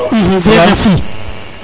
bien merci :far